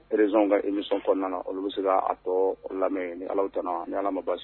Erez ka imi nisɔn kɔnɔna olu bɛ se kaa tɔ lamɛn ni alat ani ni ala basi